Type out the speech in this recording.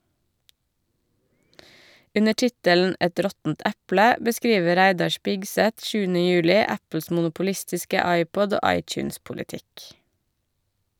Under tittelen "Et råttent eple" beskriver Reidar Spigseth 7.juli Apples monopolistiske iPod- og iTunes-politikk.